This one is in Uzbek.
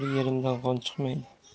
bir yerimdan qon chiqmaydi